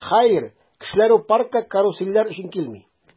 Хәер, кешеләр бу паркка карусельләр өчен килми.